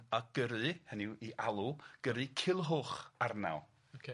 A gyrru, hynny yw 'i alw, gyrru Culhwch arnaw. Ocê.